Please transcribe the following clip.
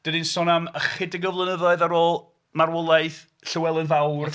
Dan ni'n sôn am ychydig o flynyddoedd ar ôl marwolaeth Llywelyn Fawr.